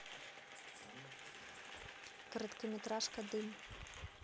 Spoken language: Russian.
короткометражка дым